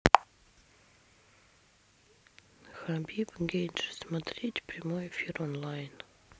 хабиб гейджи смотреть прямой эфир онлайн